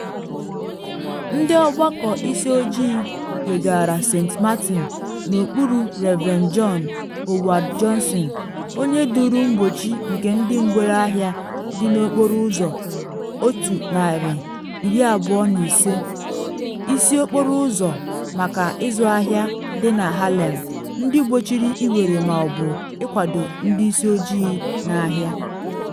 Ndị ọgbakọ isi ojii weghara St. Martin n’okpuru Rev. John Howard Johnson, onye duru mgbochi nke ndị mgbere ahịa dị na Okporo Ụzọ 125, isi okporo ụzọ maka ịzụ ahịa dị na Harlem, ndị gbochiri ịwere ma ọ bụ ịkwado ndị isi ojii n’ahịa.